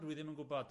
Dwi ddim yn gwbod.